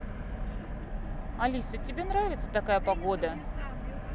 алиса тебе нравится такая погода